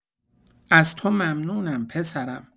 از تو ممنونم پسرم.